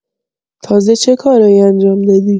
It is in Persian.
تازه چه کارایی انجام دادی؟